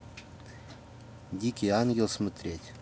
дикий ангел смотреть